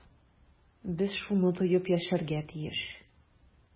Без шуны тоеп яшәргә тиеш.